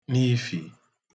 n'ifì